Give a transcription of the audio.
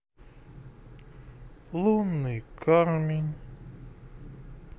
лунный камень